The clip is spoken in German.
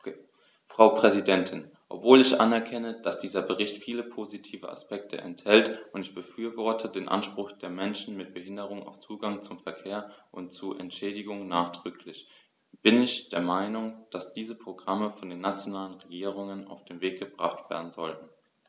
Frau Präsidentin, obwohl ich anerkenne, dass dieser Bericht viele positive Aspekte enthält - und ich befürworte den Anspruch der Menschen mit Behinderung auf Zugang zum Verkehr und zu Entschädigung nachdrücklich -, bin ich der Meinung, dass diese Programme von den nationalen Regierungen auf den Weg gebracht werden sollten.